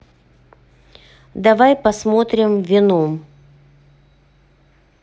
давай посмотрим веном